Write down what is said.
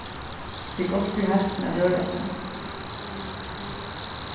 tað er gott fyri heilsuna at røra seg